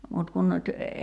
mutta kun nyt